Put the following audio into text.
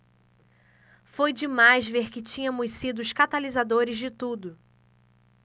foi demais ver que tínhamos sido os catalisadores de tudo